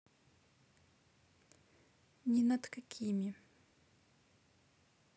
ни над какими